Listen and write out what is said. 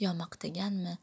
yo maqtangani